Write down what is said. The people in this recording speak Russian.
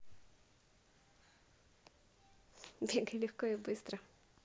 бегай легко и быстро